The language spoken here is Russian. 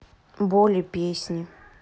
боли песни